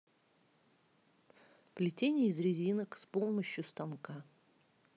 плетение из резинок с помощью станка